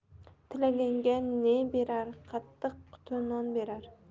tilaganga ne berar qatti qutti non berar